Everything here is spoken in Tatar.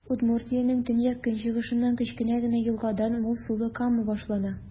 Удмуртиянең төньяк-көнчыгышыннан, кечкенә генә елгадан, мул сулы Кама башлана.